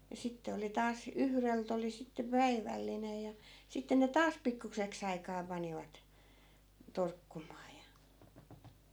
ja sitten oli taas yhdeltä oli sitten päivällinen ja sitten ne taas pikkuiseksi aikaa panivat torkkumaan ja